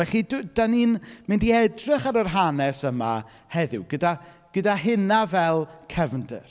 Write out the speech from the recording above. Felly, dw- dan ni'n mynd i edrych ar yr hanes yma heddiw, gyda gyda hynna fel cefndir.